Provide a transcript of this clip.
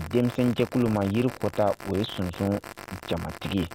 Denmisɛnwjɛkulu ma yiri kɔta o ye sonsan jamatigi ye